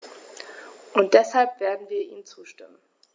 Und deshalb werden wir ihm zustimmen.